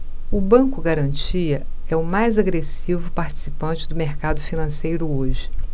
o banco garantia é o mais agressivo participante do mercado financeiro hoje